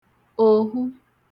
òhu